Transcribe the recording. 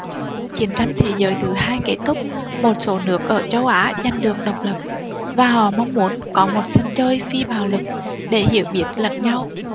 chiến tranh thế giới thứ hai kết thúc một số nước ở châu á giành được độc lập và họ mong muốn có một sân chơi phi bạo lực để hiểu biết lẫn nhau